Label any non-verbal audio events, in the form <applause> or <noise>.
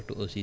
<hesitation> <hesitation>